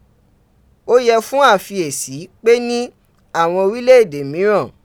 Ó yẹ fún àfiyèsí pé ní àwọn orílẹ̀ èdè mìíràn